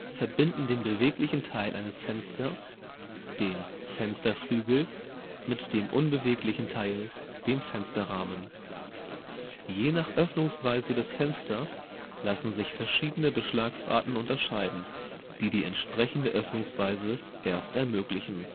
verbinden den beweglichen Teil eines Fensters, den Fensterflügel, mit dem unbeweglichen Teil, dem Fensterrahmen. Je nach Öffnungsweise des Fensters lassen sich verschiedene Beschlagsarten unterscheiden, die die entsprechende Öffnungsweise erst ermöglichen